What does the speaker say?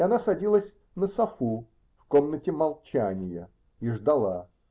Она садилась на софу в "комнате молчания" и ждала.